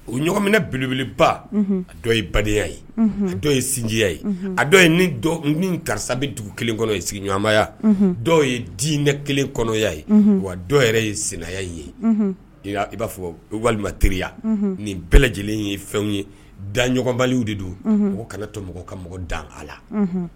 O ɲmina bieleba a dɔ ye badenyaya ye dɔ ye sinjiya ye a dɔ ye ni karisa bɛ dugu kelen kɔnɔ sigiɲɔgɔnmaya dɔw ye diinɛ kelen kɔnɔya ye wa dɔw yɛrɛ ye senya in ye i b'a fɔ walima teriya nin bɛɛ lajɛlen ye fɛnw ye daɲɔgɔnbaliw de don mɔgɔ kana to mɔgɔ ka mɔgɔ dan a la